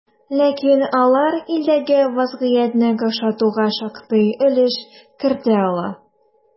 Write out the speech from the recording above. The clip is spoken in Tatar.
Ләкин алар илдәге вазгыятьне какшатуга шактый өлеш кертә ала.